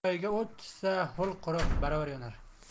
to'qayga o't tushsa ho'l quruq baravar yonar